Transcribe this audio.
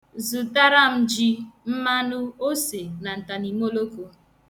Zụtara m ji, mmanụ, ose na ntaniimoloko